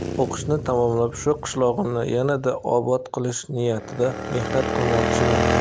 o'qishni tamomlab shu qishlog'imni yanada obod qilish niyatida mehnat qilmoqchiman